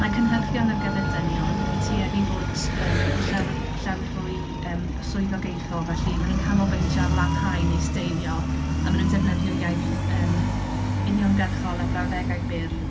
Mae cynhyrchion ar gyfer dynion yn tueddu i fod, yym, yn llawe- llawer fwy yym swyddogeithiol. Felly maen nhw'n canolbwyntio ar lanhau neu steilio. A maen nhw'n defnyddio iaith, yym, uniongyrchol a brawddegau byr.